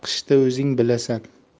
qishda o'zing bilasan